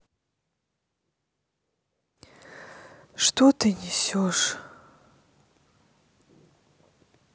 что ты несешь